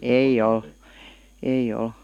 ei ole ei ole